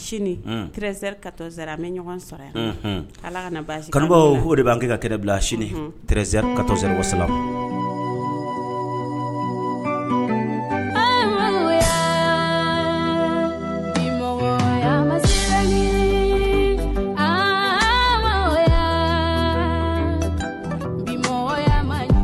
Sini tzeri ka bɛ ɲɔgɔn ala kana basi kanubaww de b'an kɛ ka kɛlɛ bila sini trez kari wasa